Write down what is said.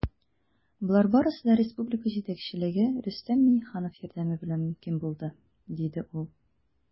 Болар барысы да республика җитәкчелеге, Рөстәм Миңнеханов, ярдәме белән мөмкин булды, - диде ул.